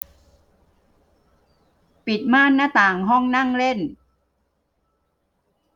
ปิดม่านหน้าต่างห้องนั่งเล่น